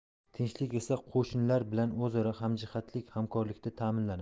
tinchlik esa qo'shnilar bilan o'zaro hamjihatlik hamkorlikda ta'minlanadi